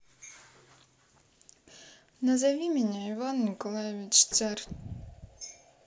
назови меня иван николаевич царь